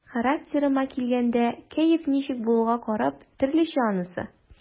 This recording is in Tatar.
Характерыма килгәндә, кәеф ничек булуга карап, төрлечә анысы.